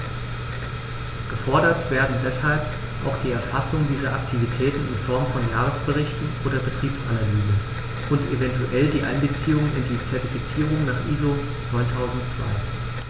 Gefordert werden deshalb auch die Erfassung dieser Aktivitäten in Form von Jahresberichten oder Betriebsanalysen und eventuell die Einbeziehung in die Zertifizierung nach ISO 9002.